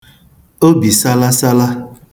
obì salala